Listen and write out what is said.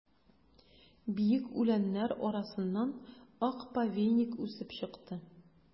Биек үләннәр арасыннан ак повейник үсеп чыкты.